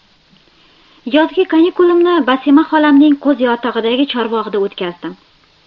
yozgi ta'tilimni basima xolaning qo'zyotog'idagi chorbog'ida o'tkazdim